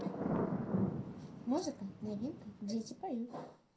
музыка новинка дети поют